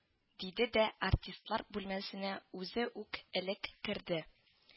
— диде дә артистлар бүлмәсенә үзе үк элек керде